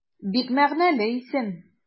Бик мәгънәле исем.